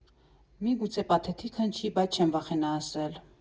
Միգուցե պաթետիկ հնչի, բայց չեմ վախենա ասել.